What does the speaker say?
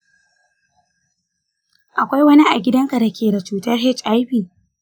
akwai wani a gidanka da ke da cutar hiv?